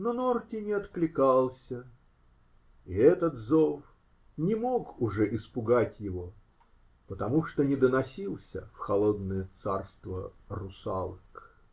Но Норти не откликался, и этот зов не мог уже испугать его, потому что не доносился в холодное царство русалок.